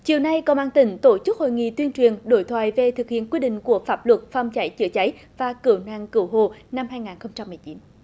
chiều nay công an tỉnh tổ chức hội nghị tuyên truyền đối thoại về thực hiện quy định của pháp luật phòng cháy chữa cháy và cứu nạn cứu hộ năm hai ngàn không trăm mười chín